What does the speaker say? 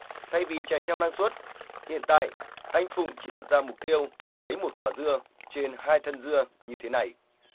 thay vì chạy theo năng suất hiện tại anh phụng chỉ đặt ra mục tiêu lấy một quả dưa trên hai thân dưa như thế này